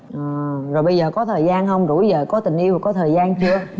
ờ rồi bây giờ có thời gian hông rỗi giờ có tình yêu rồi có thời gian chưa